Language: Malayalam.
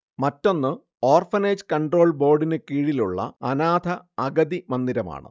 മറ്റൊന്ന് ഓർഫനേജ് കൺട്രോൾ ബോർഡിനു കീഴിലുള്ള അനാഥ അഗതി മന്ദിരമാണ്